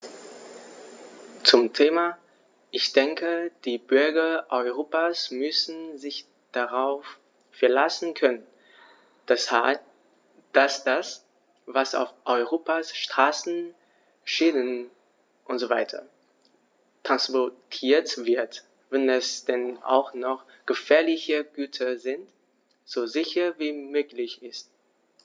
Zum Thema: Ich denke, die Bürger Europas müssen sich darauf verlassen können, dass das, was auf Europas Straßen, Schienen usw. transportiert wird, wenn es denn auch noch gefährliche Güter sind, so sicher wie möglich ist.